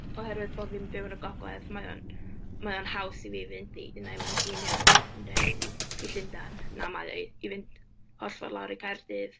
Oherwydd bod fi'n byw yn y Gogledd mae o'n mae o'n haws i fi fynd i un ai Manceinion neu i Llundain na mae o i fynd holl ffordd lawr i Gaerdydd.